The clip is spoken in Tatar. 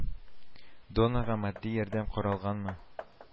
Донорга матди ярдәм каралганмы